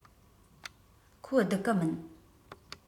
ཁོ བསྡུག གི མིན